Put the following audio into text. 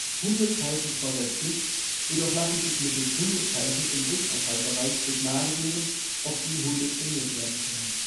Hunde pfeifen zwar selbst nicht, jedoch lassen sich mittels Hundepfeifen im Ultraschallbereich Signale geben, auf die Hunde trainiert werden können